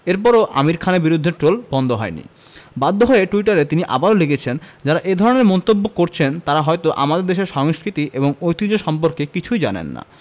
এরপরও আমির খানের বিরুদ্ধে ট্রল বন্ধ হয়নি বাধ্য হয়ে টুইটারে তিনি আবারও লিখেছেন যাঁরা এ ধরনের মন্তব্য করছেন তাঁরা হয়তো আমাদের দেশের সংস্কৃতি এবং ঐতিহ্য সম্পর্কে কিছুই জানেন না